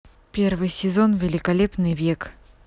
первый сезон великолепный век